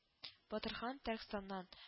Батырхан, Тэркстаннан